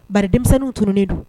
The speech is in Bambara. Ba denmisɛnninw tunnen do